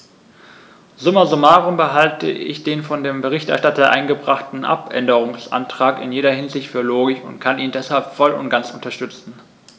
Summa summarum halte ich den von dem Berichterstatter eingebrachten Abänderungsantrag in jeder Hinsicht für logisch und kann ihn deshalb voll und ganz unterstützen.